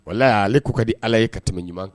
Walahi ale ko kadi Ala ye ka tɛmɛ ɲuman